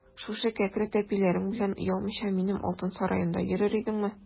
Шушы кәкре тәпиләрең белән оялмыйча минем алтын сараемда йөрер идеңме?